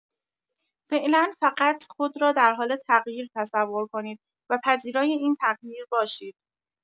فعلا فقط خود را در حال تغییر تصور کنید و پذیرای این تغییر باشید.